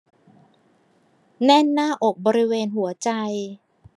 แน่นหน้าอกบริเวณหัวใจ